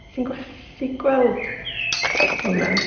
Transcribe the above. Ti'n gallu gweld hwnna?